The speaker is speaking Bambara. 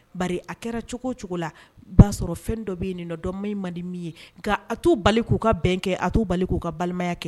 Bari a kɛra cogo o cogo la i b'a sɔrɔ fɛn dɔ bɛ yeni nɔ min man di min ye nka a t'u bali k'u ka bɛn kɛ a t'u bali k'u ka balimaya kɛ